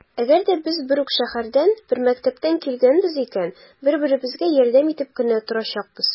Әгәр дә без бер үк шәһәрдән, бер мәктәптән килгәнбез икән, бер-беребезгә ярдәм итеп кенә торачакбыз.